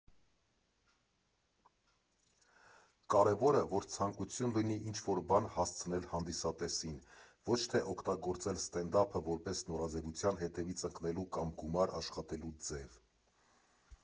֊ Կարևորը, որ ցանկություն լինի ինչ֊որ բան հասցնել հանդիսատեսին, ոչ թե օգտագործել ստենդափը որպես նորաձևության հետևից ընկնելու կամ գումար աշխատելու ձև։